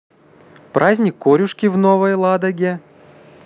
праздник корюшки в новой ладоге